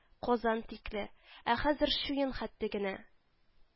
– казан тикле, ә хәзер чуен хәтле генә